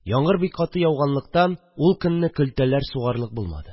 Яңгыр бик каты яуганлыктан ул көнне көлтәләр сугарлык булмады